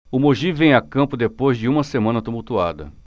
o mogi vem a campo depois de uma semana tumultuada